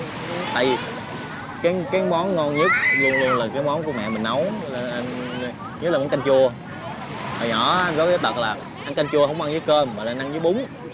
tại vì cái cái món ngon nhất luôn luôn là cái món của mẹ mình nấu cho nên anh nhất là món canh chua hồi nhỏ anh có cái tật là ăn canh chua hổng ăn với cơm mà là ăn với bún